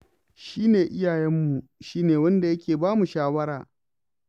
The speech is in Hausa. Shi ne iyayenmu, shi ne wanda yake ba mu shawara.